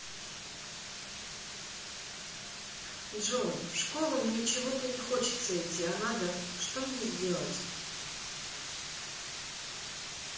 джой в школу мне чего то не хочется идти а надо что мне сделать